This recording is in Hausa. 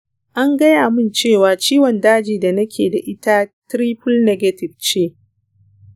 an gaya min cewa ciwon dajin da nake da ita triple negative ce.